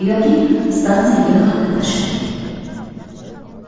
yoki stansiyaga g'alla tashirdik